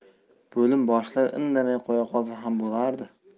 bo'lim boshlig'i indamay qo'ya qolsa ham bo'lardi